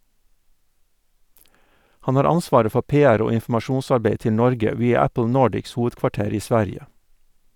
Han har ansvaret for PR- og informasjonsarbeid til Norge via Apple Nordics hovedkvarter i Sverige.